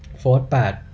โฟธแปด